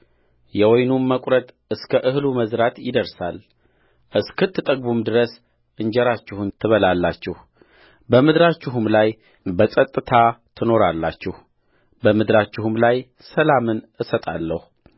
የወይኑም መቍረጥ እስከ እህሉ መዝራት ይደርሳል እስክትጠግቡም ድረስ እንጀራችሁን ትበላላችሁ በምድራችሁም ላይ በጸጥታ ትኖራላችሁበምድራችሁም ላይ ሰላምን እሰጣለሁ